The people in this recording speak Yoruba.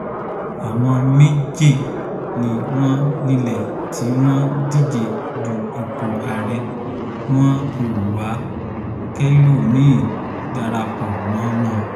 ”Àwọn méje ti wà nílẹ̀, tí wọ́n dìje du ipò ààrẹ. Wọn ‘ò wa kẹ́lòmíì darapọ̀ mọ́ wọn.